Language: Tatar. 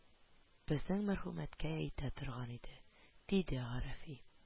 – безнең мәрхүм әткәй әйтә торган иде, – диде гарәфи